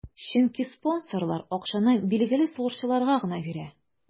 Чөнки спонсорлар акчаны билгеле сугышчыларга гына бирә.